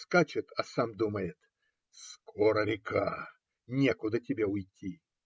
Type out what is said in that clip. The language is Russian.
Скачет, а сам думает: "Скоро река, некуда тебе уйти".